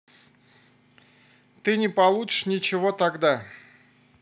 ты не получишь ничего тогда